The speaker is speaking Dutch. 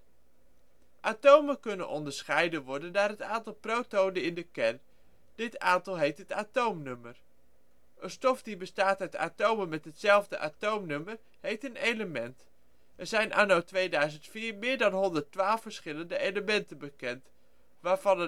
Atomen kunnen onderscheiden worden naar het aantal protonen in de kern. Dit aantal heet het atoomnummer. Een stof die bestaat uit atomen met hetzelfde atoomnummer heet een element. Er zijn anno 2004 meer dan 112 verschillende elementen bekend, waarvan